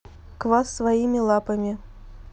квас своими лапами